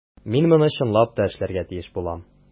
Мин моны чынлап та эшләргә тиеш булам.